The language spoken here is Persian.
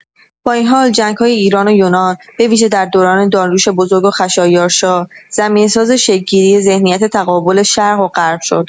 با این حال، جنگ‌های ایران و یونان، به‌ویژه در دوران داریوش بزرگ و خشایارشا، زمینه‌ساز شکل‌گیری ذهنیت تقابل «شرق و غرب» شد؛